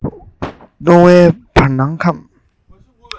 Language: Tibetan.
སྟོང བའི བར སྣང ཁམས